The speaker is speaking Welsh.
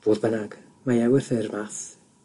Fodd bynnag mae ewythyr Math,